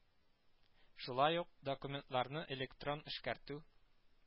Шулай ук, документларны электрон эшкәртү